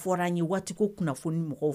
Fɔra ye waatiko kunnafoni ni mɔgɔ